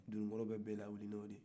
donokɔrɔ bɛ bɛɛ lawuli n'o ye